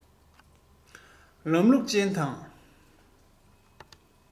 ལམ ལུགས ཅན དང